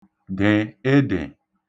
ḋè (eḋè)